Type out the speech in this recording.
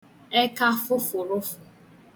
ekafụfụ̀rụfụ̀